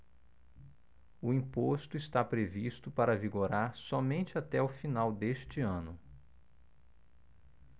o imposto está previsto para vigorar somente até o final deste ano